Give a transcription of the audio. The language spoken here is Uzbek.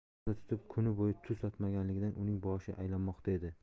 ro'za tutib kuni bo'yi tuz totmaganligidan uning boshi aylanmoqda edi